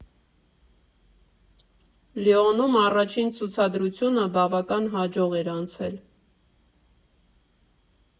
Լիոնում առաջին ցուցադրությունը բավական հաջող էր անցել։